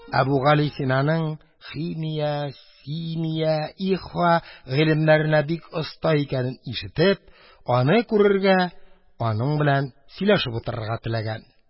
Әбүгалисинаның кимия, симия, ихфа гыйлемнәренә бик оста икәнен ишетеп, аны күрергә, аның белән сөйләшеп утырырга теләгән.